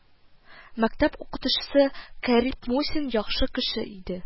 Мәктәп укытучысы Карип Мусин яхшы кеше иде